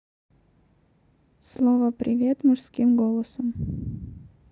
слово привет мужским голосом